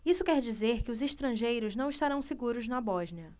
isso quer dizer que os estrangeiros não estarão seguros na bósnia